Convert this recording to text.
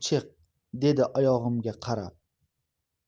chiq dedi oyog'imga qarab